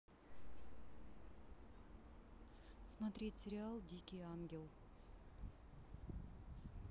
смотреть сериал дикий ангел